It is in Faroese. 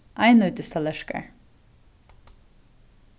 einnýtistallerkar